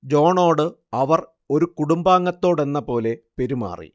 ജോൺണോട് അവർ ഒരു കുടുംബാംഗത്തോടെന്നപോലെ പെരുമാറി